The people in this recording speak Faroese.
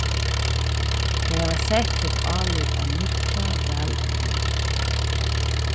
tey hava sett sítt álit á nýggja valevnið